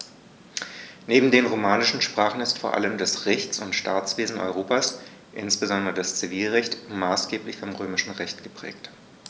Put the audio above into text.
Neben den romanischen Sprachen ist vor allem das Rechts- und Staatswesen Europas, insbesondere das Zivilrecht, maßgeblich vom Römischen Recht geprägt.